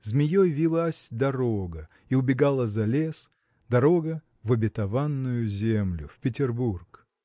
змеей вилась дорога и убегала за лес дорога в обетованную землю в Петербург.